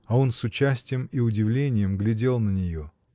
А он с участием и удивлением глядел на нее.